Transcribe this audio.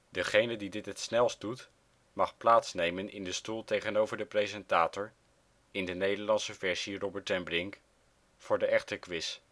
Degene die dit het snelst doet mag plaatsnemen in de stoel tegenover de presentator (in de Nederlandse versie Robert ten Brink) voor de echte quiz